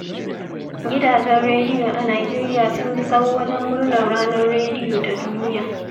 Gidajen rediyo a Nijeriya sun bi sahu wajen murnar ranar rediyo ta duniya.